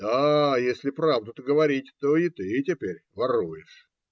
Да если правду-то говорить, то и ты теперь воруешь.